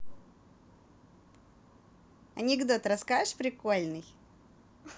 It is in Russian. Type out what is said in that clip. анекдот расскажешь прикольный